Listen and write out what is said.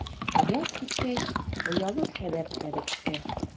Оят киткәч, оялыр сәбәп тә бетте.